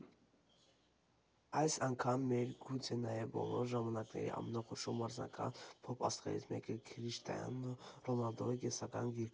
Այս անգամ՝ մեր (գուցե նաև բոլոր) ժամանակների ամենախոշոր մարզական փոփ֊աստղերից մեկի՝ Քրիշտիանու Ռոնալդուի կենսագրական գիրքը։